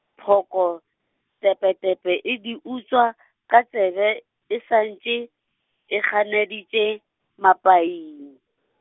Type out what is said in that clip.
phoko, tepetepe e di utswa , ka tsebe, e sa ntše, e ganeditše, mapaing.